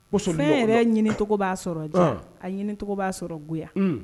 Muso yɛrɛ ɲini tɔgɔ'a sɔrɔ a ɲinin tɔgɔ'a sɔrɔ bonya